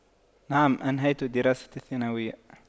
نعم أنهيت دراستي الثانوية